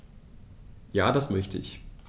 Ja, das möchte ich.